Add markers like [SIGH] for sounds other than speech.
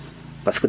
[HESITATION] [HESITATION]